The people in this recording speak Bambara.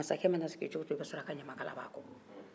masakɛ mana sigi cogo o cogo i b'a sɔrɔ a ka ɲamakala b'a kɔrɔ